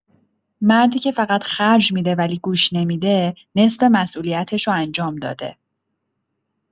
مردی که فقط خرج می‌ده ولی گوش نمی‌ده، نصف مسئولیتشو انجام داده.